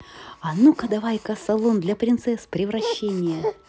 а ну ка давай ка салон для принцесс превращение